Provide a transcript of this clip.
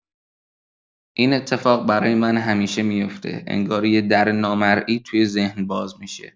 این اتفاق برای من همیشه می‌افته، انگار یه در نامرئی توی ذهن باز می‌شه.